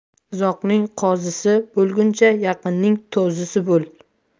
uzoqning qozisi bo'lguncha yaqinning tozisi bo'l